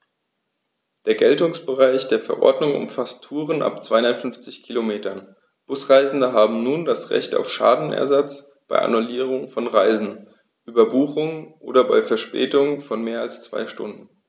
Der Geltungsbereich der Verordnung umfasst Touren ab 250 Kilometern, Busreisende haben nun ein Recht auf Schadensersatz bei Annullierung von Reisen, Überbuchung oder bei Verspätung von mehr als zwei Stunden.